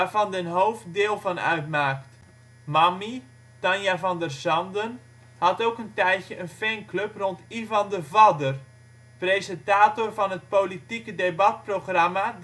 den Hoof deel van uitmaakt. " Mammie " (Tania Van der Sanden) had ook een tijdje een fanclub rond Ivan De Vadder, presentator van het politieke debatprogramma